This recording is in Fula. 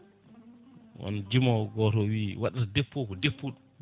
won jimowo goto wii waɗata dépôt fra ko deppuɗo